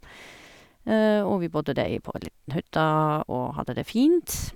Og vi bodde der i på en liten hytta og hadde det fint.